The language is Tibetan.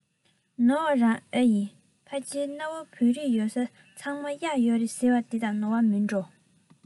ནོར བ རང ད ཨེ ཡིན ཕལ ཆེར གནའ བོའི བོད རིགས ཡོད ས ཚང མར གཡག ཡོད རེད ཟེར བ དེ དང ནོར བ མིན འགྲོ